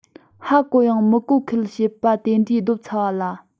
ཧ གོ ཡང མི གོ བའི ཁུལ བྱེད པ དེ འདྲའི ལྡོབས ཚ བ ལ